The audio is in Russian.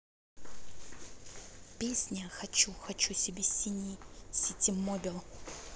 песня хочу хочу себе сине ситимобил